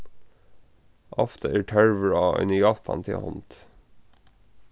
ofta er tørvur á eini hjálpandi hond